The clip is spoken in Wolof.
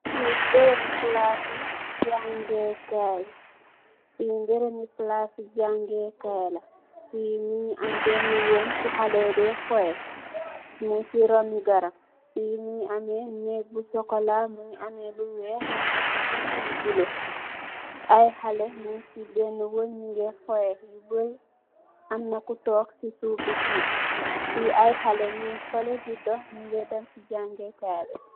Fi berembi palaci jangex kai la fi berembi palaci jangex kai la fi mongi am bena wung fu xalexyi deh foyex mung si ruun garab fi mongi ame neeg bu chocola mogi ameh lu week mongi ame binda yu bulo ay xalex nyung si bena weng nyugeh fowex yu bari amna ku tog si suuf bi fi ay xale nyung fele di dox nyunge dem si jangekai bi.